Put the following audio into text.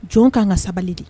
Jɔn k'an ka sabali de